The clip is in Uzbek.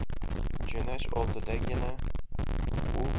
jo'nash oldidagina u